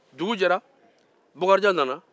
dugu jɛla bokarijan nana